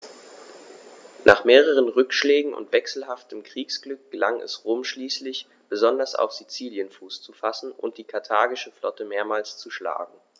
Nach mehreren Rückschlägen und wechselhaftem Kriegsglück gelang es Rom schließlich, besonders auf Sizilien Fuß zu fassen und die karthagische Flotte mehrmals zu schlagen.